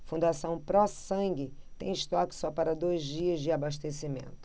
fundação pró sangue tem estoque só para dois dias de abastecimento